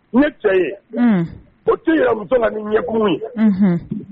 Ne cɛ ye p tɛ ye usa ni ɲɛkun ye